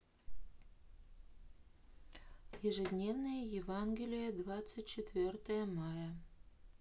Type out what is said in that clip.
ежедневные евангелие двадцать четвертое мая